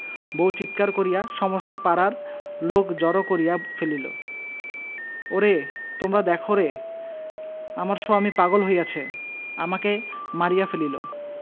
বউ চিৎকার করিয়া সমস্ত পাড়ার লোক জড় করিয়া ফেলিল ওরে তোমরা দেখরে আমার সোয়ামী পাগল হইয়াছে আমাকে মারিয়া ফেলিল